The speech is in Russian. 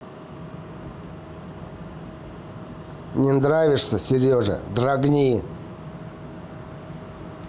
не нравишься сережа драгни